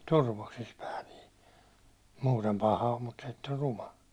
turvoksissa pää niin muuten paha on mutta se että on ruma